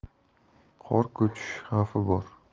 qor ko'chishi xavfi bor